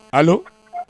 Alo